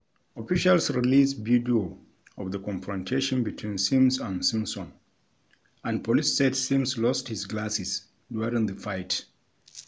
Officials released video of the confrontation between Sims and Simpson, and police said Sims lost his glasses during the fight.